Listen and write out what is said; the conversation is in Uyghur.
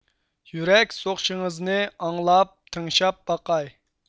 يۈرەك سوقۇشىڭىزنى ئاڭلاپ تىڭشاپ باقاي